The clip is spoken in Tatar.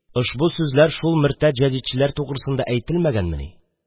Ошбу сүзләр шул мөртәт җәдитчеләр тугрысында әйтелмәгәнмени?